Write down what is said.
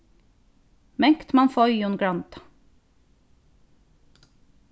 mangt man feigum granda